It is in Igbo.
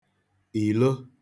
ìlo